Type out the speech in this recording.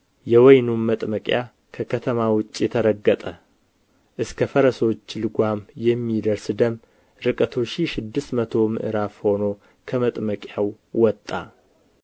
የወይኑም መጥመቂያ ከከተማ ውጭ ተረገጠ እስከ ፈረሶች ልጓምም የሚደርስ ደም ርቀቱ ሺህ ስድስት መቶ ምዕራፍ ሆኖ ከመጥመቂያው ወጣ